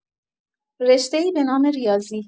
رشته‌ای به نام ریاضی